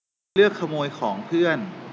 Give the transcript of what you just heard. เลือกขโมยของเพื่อน